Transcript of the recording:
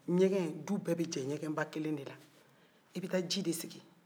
ɲɛgɛn dun bɛɛ bɛ jɛ ɲɛgɛba kelen de la e bɛ ttaa ji de sigi